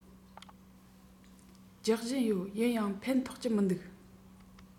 རྒྱག བཞིན ཡོད ཡིན ཡང ཕན ཐོགས ཀྱི མི འདུག